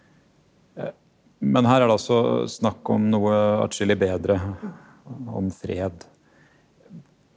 men her er det altså snakk om noe atskillig bedre om fred.